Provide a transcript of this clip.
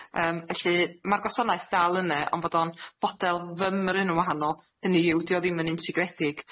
Yym felly ma'r gwasanaeth dal yne ond bod o'n fodel fymryn yn wahanol, hynny yw, 'di o ddim yn integredig.